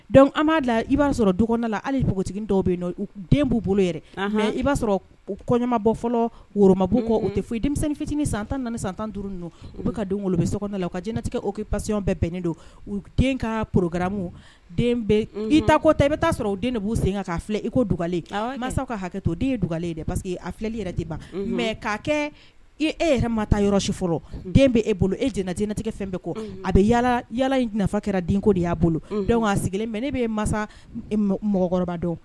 Dɔnku an b'a la i b'a sɔrɔ dudala hali ye npogo dɔw bɛ yen den b'u bolo yɛrɛ i'a sɔrɔ kɔɲɔma bɔ fɔlɔma kɔ o tɛ foyi i denmisɛn fitinin san tan na san tan duuru u bɛ ka donolo bɛ soda la u ka jtigɛ o kɛ pasiyɔn bɛɛ bɛnnen don u den ka porokararamu i ta ta i bɛ'a sɔrɔ o den de b'u sen i ko duglen ma ka hakɛ to ye duglen dɛ pa que a filɛli yɛrɛ de ban mɛ k' kɛ e yɛrɛ ma taa yɔrɔ si fɔlɔ den bɛ e bolo e jtigɛ fɛn bɛɛ kɔ a bɛ yaa in nafa kɛra denko de y'a bolo sigilen mɛ ne bɛ masa mɔgɔkɔrɔba